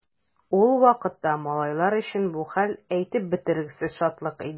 Ул вакытта малайлар өчен бу хәл әйтеп бетергесез шатлык иде.